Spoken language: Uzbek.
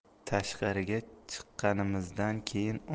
tashqariga chiqqanimizdan keyin